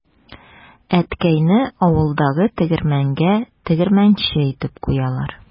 Әткәйне авылдагы тегермәнгә тегермәнче итеп куялар.